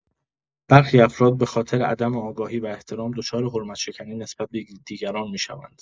برخی افراد به‌خاطر عدم آگاهی و احترام، دچار حرمت‌شکنی نسبت به دیگران می‌شوند.